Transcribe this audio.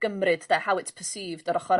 gymryd 'de how it's perceived yr ochor...